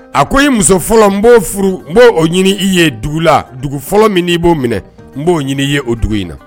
A ko i muso fɔlɔ n b'o furu n b'o ɲini i ye dugu la dugu fɔlɔ min n'i b'o minɛ n b'o ɲini i ye o dugu in na